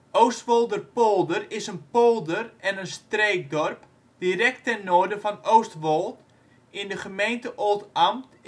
Oostwolderpolder is een polder en een streekdorp direct ten noorden van Oostwold in de gemeente Oldambt